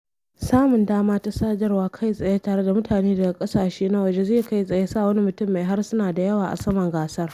Samun dama ta sadarwa kai tsaye tare da mutane daga ƙasashe na waje zai kai tsaye sa wani mutum mai harsuna da yawa a saman gasar.